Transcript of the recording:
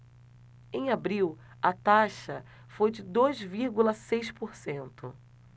em abril a taxa foi de dois vírgula seis por cento